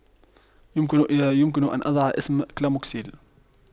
يمكن يمكن أن أضع اسم كلاموكسيل